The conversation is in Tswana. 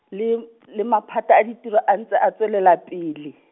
le, le maphata a ditiro a ntse a tswelela pele.